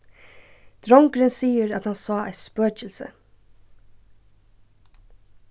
drongurin sigur at hann sá eitt spøkilsi